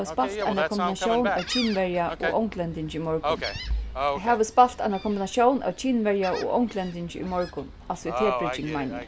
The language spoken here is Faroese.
havi spælt eina kombinatión av kinverja og onglendingi í morgun havi spælt eina kombinatión av kinverja og onglendingi í morgun altso í tebrygging meini eg